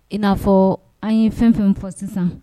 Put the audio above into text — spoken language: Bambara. N'afɔ an ye fɛn fɛn fɔ sisan